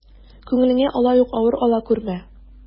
Күңелеңә алай ук авыр ала күрмә.